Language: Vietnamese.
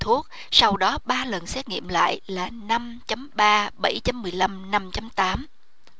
thuốc sau đó ba lần xét nghiệm lại là năm chấm ba bảy trăm mười lăm năm chấm tám